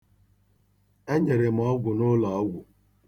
E nyere m ọgwụ n'ụlọọgwụ.